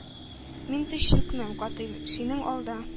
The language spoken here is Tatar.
Мин тез чүкмәм, катыйль, синең алда,